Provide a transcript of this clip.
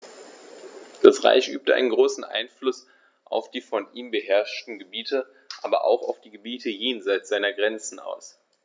Das Reich übte einen großen Einfluss auf die von ihm beherrschten Gebiete, aber auch auf die Gebiete jenseits seiner Grenzen aus.